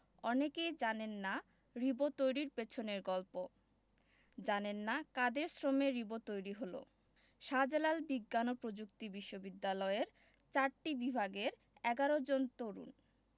অনেকেই জানেন না রিবো তৈরির পেছনের গল্প জানেন না কাদের শ্রমে রিবো তৈরি হলো শাহজালাল বিজ্ঞান ও প্রযুক্তি বিশ্ববিদ্যালয়ের চারটি বিভাগের ১১ জন তরুণ